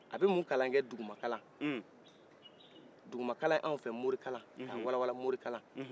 a bɛ mun kalan kɛ duguma kalan duguma kalan anw fɛ morikalan